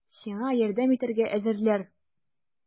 Сиңа ярдәм итәргә әзерләр!